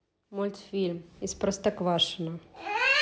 мультфильм из простоквашино